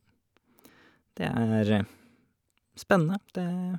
Det er spennende, det...